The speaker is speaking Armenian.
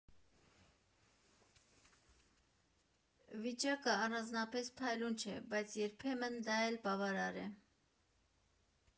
Վիճակը առանձնապես փայլուն չէ, բայց երբեմն դա էլ բավարար է։